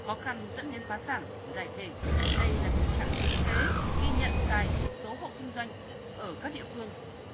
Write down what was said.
khó khăn dẫn đến phá sản giải thể đây là tình trạng thực tế ghi nhận tại một số hộ kinh doanh ở các địa phương